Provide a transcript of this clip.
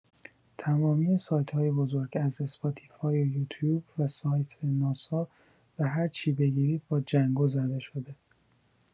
تمامی سایت‌های بزرگ از اسپاتیفای و یوتیوب و سایت ناسا و هر چی بگیرید با جنگو زده‌شده